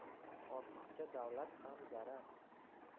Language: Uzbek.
ortiqcha davlat ham zarar